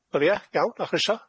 Wel ia, iawn, â chroeso.